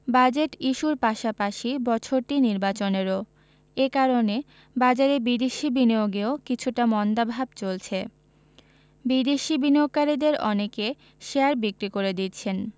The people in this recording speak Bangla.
বাজেট ইস্যুর পাশাপাশি বছরটি নির্বাচনেরও এ কারণে বাজারে বিদেশি বিনিয়োগেও কিছুটা মন্দাভাব চলছে বিদেশি বিনিয়োগকারীদের অনেকে শেয়ার বিক্রি করে দিচ্ছেন